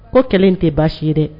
O kɛlen tɛ baasi ye dɛ